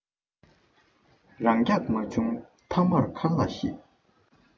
རགས རྒྱག མ བྱུང མཐའ མར མཁར ལ གཤེད